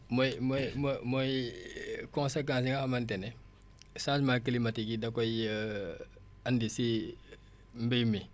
mooy mooy mooy conséquences yi nga xamante ne changement climatique yi da koy andi si mbéy mi